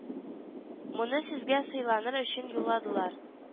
Моны сезгә сыйланыр өчен юлладылар